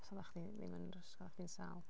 Achos oeddech ch'di ddim yn yr ysgol. Oeddech chdi'n sâl